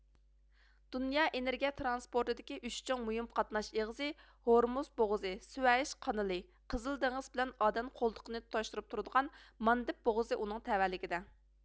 دۇنيا ئېنېرگىيە ترانسپورتىدىكى ئۈچ چوڭ مۇھىم قاتناش ئېغىزى ھورموز بوغۇزى سۇۋەيش قانىلى قىزىل دېڭىز بىلەن ئادەن قولتۇقىنى تۇتاشتۇرۇپ تۇرىدىغان ماندېب بوغۇزى ئۇنىڭ تەۋەلىكىدە